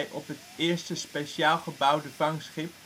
op het eerste speciaal gebouwde vangschip